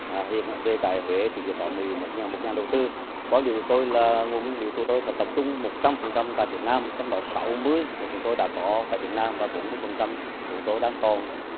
ờ hiện ấy về tại huế thì chỉ có mười một nhờ một nhà đầu tư quan điểm của tôi là nguồn nguyên liệu tụi tôi phải tập trung một trăm phần trăm tại việt nam trong đó sáu mươi là chúng tôi đã có tại việt nam và bốn mươi phần trăm chúng tôi đang còn